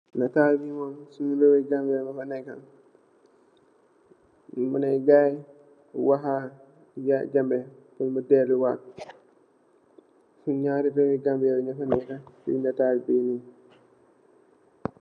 Sung reewi Gambia mofa neka ka muneh gaay wahat ak Yaya Jammeh pull mo delu watt sonn naari reewi Gambia mofa neka si netal bi nee.